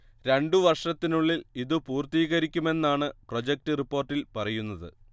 രണ്ടു വർഷത്തിനുള്ളിൽ ഇതു പൂർത്തീകരിക്കുമെന്നാണ് പ്രൊജക്റ്റ് റിപ്പോർട്ടിൽ പറയുന്നത്